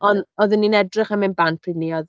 Ond oedden ni'n edrych am mynd bant pryd 'ny oedd...